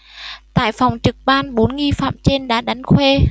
tại phòng trực ban bốn nghi phạm trên đã đánh khuê